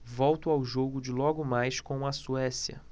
volto ao jogo de logo mais com a suécia